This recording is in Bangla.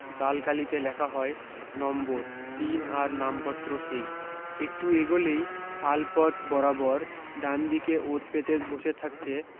লালকালিতে লেখা হয় নম্বর তিন আর নামপত্র সেই একটু এগোলেই আলপথ বরাবর ডানদিকে ওত পেতে বসে থাকছে